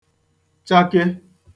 chake